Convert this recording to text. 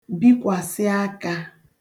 bikwàsị akā